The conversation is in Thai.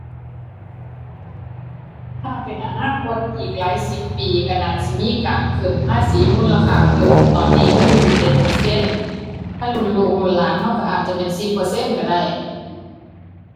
ถ้าเป็นอนาคตอีกหลายสิบปีก็น่าสิมีการขึ้นภาษีมูลค่าเพิ่ม ตอนนี้มันอยู่ที่เจ็ดเปอร์เซ็นต์ คันรุ่นลูกรุ่นหลานก็ก็อาจจะเป็นสิบเปอร์เซ็นต์ก็ได้